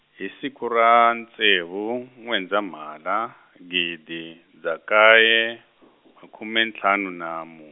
hi siku ra ntsevu N'wendzamhala, gidi dza kaye, makume ntlhanu na mu-.